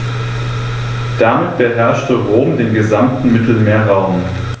Damit beherrschte Rom den gesamten Mittelmeerraum.